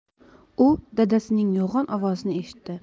u dadasining yo'g'on ovozini eshitdi